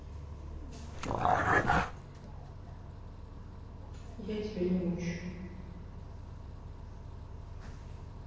я тебя не мучаю